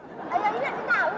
ấy ấy